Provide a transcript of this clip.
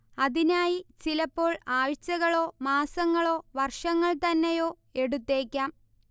അതിനായി ചിലപ്പോൾ ആഴ്ചകളോ മാസങ്ങളോ വർഷങ്ങൾ തന്നെയോ എടുത്തേക്കാം